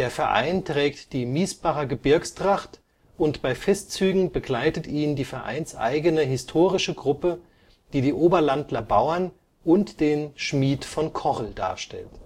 Verein trägt die Miesbacher Gebirgstracht und bei Festzügen begleitet ihn die vereinseigene Historische Gruppe, die die Oberlandler Bauern und den „ Schmied von Kochel “darstellt